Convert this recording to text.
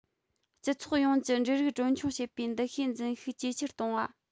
སྤྱི ཚོགས ཡོངས ཀྱི འབྲུ རིགས གྲོན ཆུང བྱེད པའི འདུ ཤེས འཛིན ཤུགས ཇེ ཆེར གཏོང བ